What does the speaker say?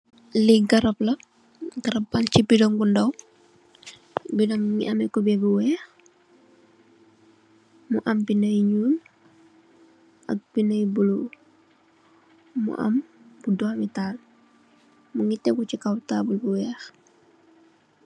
Li garap la, garap bañ ci bidong bu ndaw, bidong bi mugii am kuberr bu wèèx mu am bindé yu ñuul ak bindé yu bula, mugii tégu ci kaw tabull bu wèèx.